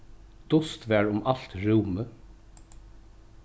dust var um alt rúmið